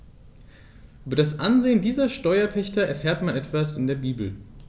Über das Ansehen dieser Steuerpächter erfährt man etwa in der Bibel.